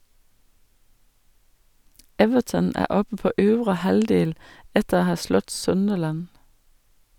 Everton er oppe på øvre halvdel, etter å ha slått Sunderland.